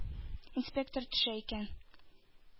Инспектор төшә икән.